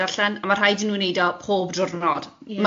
darllen, a ma' rhaid i nhw wneud o pob diwrnod... Ie